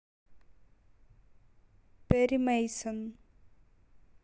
перри мейсон